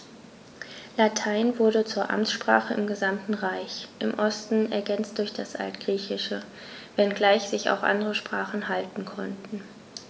Latein wurde zur Amtssprache im gesamten Reich (im Osten ergänzt durch das Altgriechische), wenngleich sich auch andere Sprachen halten konnten.